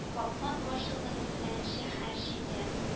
Капма-каршылыгы белән шәһәр чите